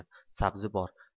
sabzi bor